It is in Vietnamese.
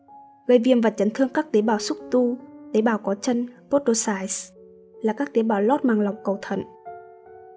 gây viêm và chấn thương các tế bào xúc tu là các tế bào lót màng lọc cầu thận